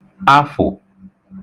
afụ̀